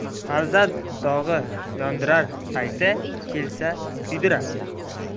farzand dog'i yondirar payti kelsa kuydirar